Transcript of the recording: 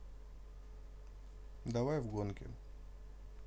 давай в гонки